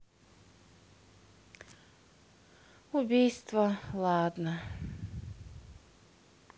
убийство ладно